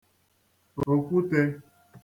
okwùte